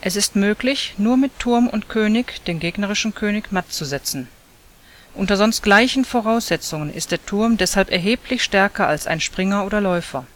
Es ist möglich, nur mit Turm und König den gegnerischen König matt zu setzen. Unter sonst gleichen Voraussetzungen ist der Turm deshalb erheblich stärker als ein Springer oder Läufer